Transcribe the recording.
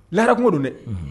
Laharak don dɛ